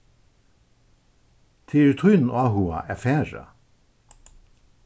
tað er í tínum áhuga at fara